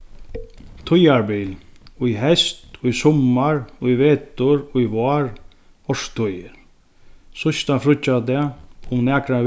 tíðarbil í heyst í summar í vetur í vár árstíð síðsta fríggjadag um nakrar